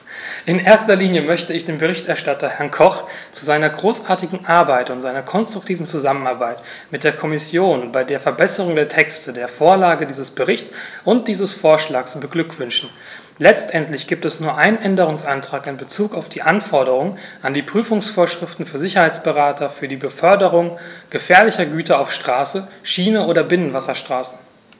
In erster Linie möchte ich den Berichterstatter, Herrn Koch, zu seiner großartigen Arbeit und seiner konstruktiven Zusammenarbeit mit der Kommission bei der Verbesserung der Texte, der Vorlage dieses Berichts und dieses Vorschlags beglückwünschen; letztendlich gibt es nur einen Änderungsantrag in bezug auf die Anforderungen an die Prüfungsvorschriften für Sicherheitsberater für die Beförderung gefährlicher Güter auf Straße, Schiene oder Binnenwasserstraßen.